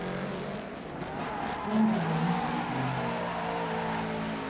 Տունը կմնա կանգուն։